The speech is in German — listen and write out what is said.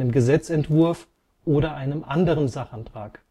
Gesetzentwurf oder einem anderen Sachantrag